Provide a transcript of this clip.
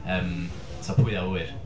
Yym, so pwy a ŵyr.